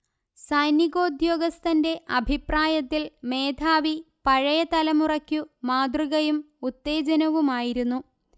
സൈനികോദ്യോഗസ്ഥന്റെ അഭിപ്രായത്തിൽ മേധാവി പഴയ തലമുറയ്ക്കു മാതൃകയും ഉത്തേജനവുമായിരുന്നു